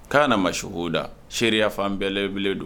K kaana na ma se oda seya fan bɛɛlɛbele don